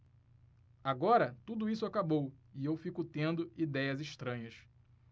agora tudo isso acabou e eu fico tendo idéias estranhas